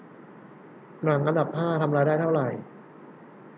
หนังอันดับห้าทำรายได้เท่าไหร่